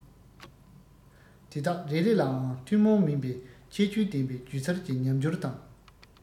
དེ དག རེ རེ ལའང ཐུན མོང མིན པའི ཁྱད ཆོས ལྡན པའི སྒྱུ རྩལ གྱི ཉམས འགྱུར དང